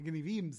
Ma' gin i feams.